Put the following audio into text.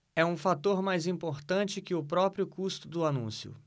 é um fator mais importante que o próprio custo do anúncio